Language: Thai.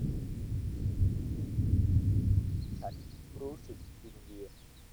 ฉันรู้สึกวิงเวียน